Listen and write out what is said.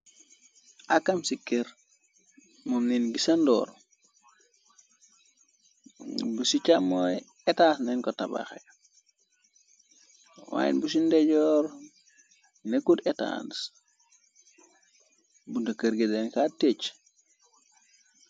Akam ci kër moom nit gisa ndoor bu ci càmmooy etans nen ko tabaxe wayt bu ci ndejoor nekut etans bu na kër ge denkaa técc.